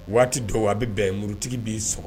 Waati dɔw a bɛ bɛn murutigi b bɛi sɔrɔ